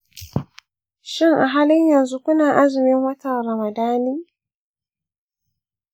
shin a halin yanzu kuna azumin watan ramadani?